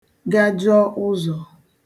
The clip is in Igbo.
gajọọ ụzọ̀